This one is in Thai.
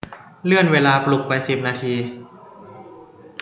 เลื่อนเวลาปลุกไปสิบนาที